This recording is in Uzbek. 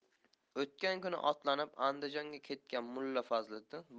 o'tgan kuni otlanib andijonga ketgan mulla fazliddin